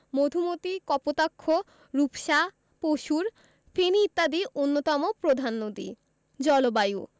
মধুমতি কপোতাক্ষ রূপসা পসুর ফেনী ইত্যাদি অন্যতম প্রধান নদী জলবায়ু